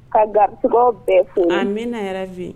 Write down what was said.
Ka garisigɛw bɛɛ foni, un, Amina ya rabi